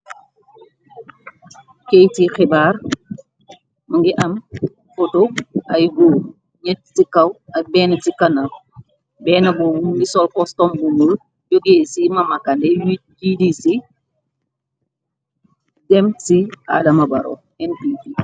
Kayit ti xibaar mingi am foto ay goor, ñett ci kaw ak benne si ganaaw, benne bub mingi sol kostom bu ñuul jógee ci Mama Kandeh GDC, dem ci Adama Barrow NPP.